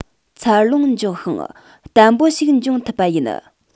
འཚར ལོངས མགྱོགས ཤིང བརྟན པོ ཞིག འབྱུང ཐུབ པ ཡིན